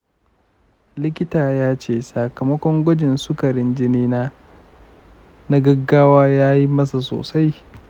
likita yace sakamakon gwajin sukarin jinina na gaggwa yayi sama sosai.